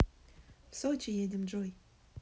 в сочи едем джой